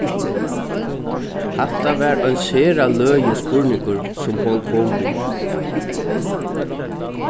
hatta var ein sera løgin spurningur sum hon kom við